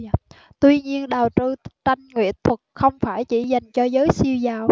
tuy nhiên đầu tư tranh nghệ thuật không phải chỉ dành cho giới siêu giàu